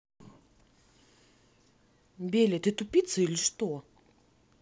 belle ты тупица или что